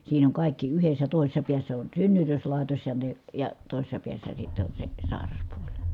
siinä on kaikki yhdessä toisessa päässä on synnytyslaitos ja ne ja toisessa päässä sitten on se sairaspuoli